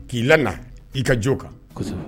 K'i la na i ka jo kan